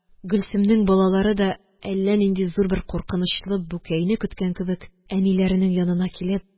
Гөлсемнең балалары да, әллә нинди зур бер куркынычлы бүкәйне көткән кебек, әниләренең янына килеп: